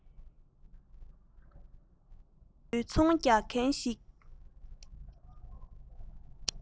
དབྱར རྩྭ དགུན འབུའི ཚོང རྒྱག མཁན ཞིག